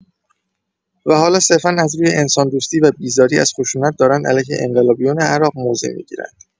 و حالا صرفا از روی «انسان‌دوستی» و «بیزاری از خشونت» دارند علیه انقلابیون عراق موضع می‌گیرند.